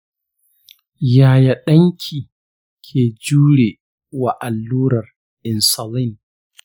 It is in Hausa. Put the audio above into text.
yaya ɗanki ke jure wa allurar insulin?